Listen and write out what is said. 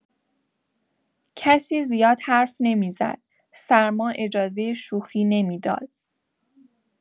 کسی زیاد حرف نمی‌زد، سرما اجازه شوخی نمی‌داد.